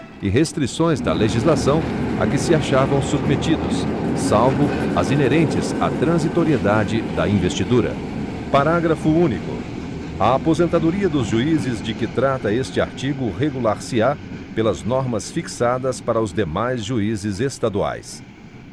e restrições da legislação a que se achavam submetidos salvo as inerentes à transitoriedade da investidura parágrafo único a aposentadoria dos juízes de que trata este artigo regular se á pelas normas fixadas para os demais juízes estaduais